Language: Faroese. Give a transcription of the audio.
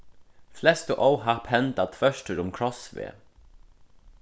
flestu óhapp henda tvørtur um krossveg